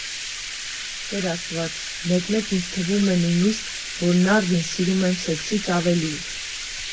Տեր Աստված, մեկ֊մեկ ինձ թվում է նույնիսկ, որ նարդին սիրում եմ սեքսից ավելին։